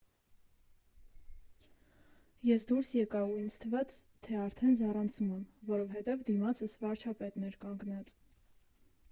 Ես դուրս եկա ու ինձ թվաց, թե արդեն զառանցում եմ, որովհետև դիմացս վարչապետն էր կանգնած։